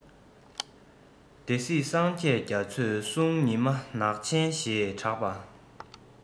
སྡེ སྲིད སངས རྒྱས རྒྱ མཚོའི གསུང ཉི མ ནག ཆེན ཞེས གྲགས པ